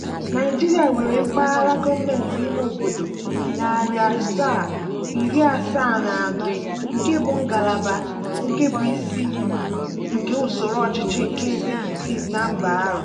Naịjirịa nwere mpaghara gọọmentị ime obodo 774, nke bụ ngalaba kebụisi nke usoro ọchịchị ndị ezekutiivu na mba ahụ.